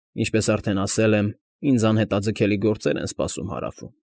Ինչպես արդեն ասել եմ, ինձ անհետաձգելի գործեր են սպասում հարավում։